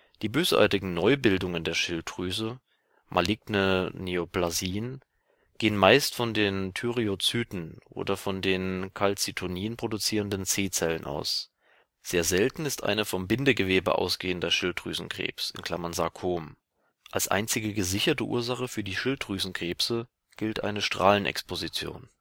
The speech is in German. Die bösartigen Neubildungen der Schilddrüse (maligne Neoplasien) gehen meist von den Thyreozyten oder von den Calcitonin produzierenden C-Zellen aus. Sehr selten ist ein vom Bindegewebe ausgehender Schilddrüsenkrebs (Sarkom). Als einzige gesicherte Ursache für die Schilddrüsenkrebse gilt eine Strahlenexposition